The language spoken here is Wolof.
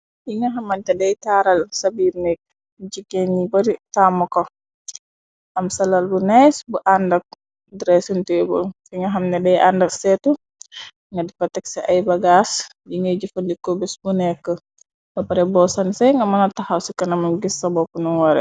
Yi nga xamante dey taaral sabiir nik, jiggeen ñi bari taama ko, am salal bu nees bu àndak dresinteebu, fi nga xam ne dey àndak seetu nga difa texsi ay bagaas yi ngay jëfandiko bes bu nekk, lëppare boo sani say, nga mëna taxaw ci kanama gis sa bopp nu woore.